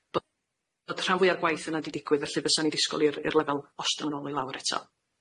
Bod rhan fwya o'r gwaith yna 'di digwydd felly fysan ni disgwl i'r i'r lefel ostio nôl i lawr eto.